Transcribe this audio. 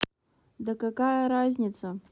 да какая разница